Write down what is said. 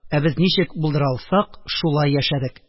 Ә без ничек булдыра алсак, шулай яшәдек